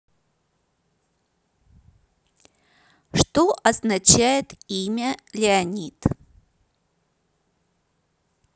что означает имя леонид